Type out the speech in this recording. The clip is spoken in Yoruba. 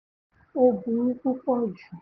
Ó burú púpọ̀ ju.